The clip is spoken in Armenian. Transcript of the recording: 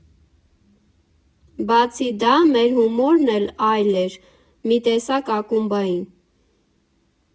Բացի դա՝ մեր հումորն էլ այլ էր, մի տեսակ՝ ակումբային։